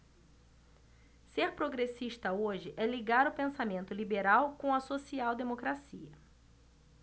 ser progressista hoje é ligar o pensamento liberal com a social democracia